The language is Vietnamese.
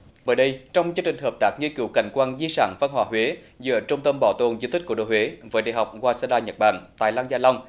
mới đây trong chương trình hợp tác nghiên cứu cảnh quan di sản văn hóa huế giữa trung tâm bảo tồn di tích cố đô huế với đại học goa sa đa nhật bản tại lăng gia long